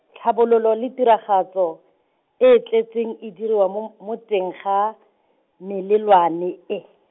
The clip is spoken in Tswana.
tlhabololo le tiragatso, e e tletseng e diriwa m- mo teng ga, melelwane e.